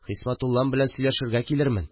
Хисмәтуллам белән сөйләшергә килермен